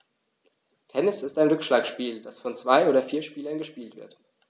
Tennis ist ein Rückschlagspiel, das von zwei oder vier Spielern gespielt wird.